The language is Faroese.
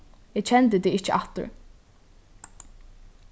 eg kendi teg ikki aftur